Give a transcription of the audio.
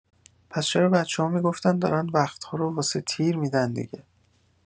پس چرا بچه‌ها می‌گفتن دارن وقت‌ها رو واسه تیر می‌دن دیگه؟